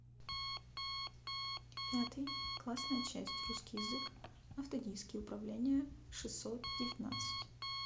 пятый классная часть русский язык автодиски управление шестьсот девятнадцать